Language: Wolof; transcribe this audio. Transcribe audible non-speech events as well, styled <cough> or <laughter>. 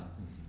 <hesitation> <hesitation>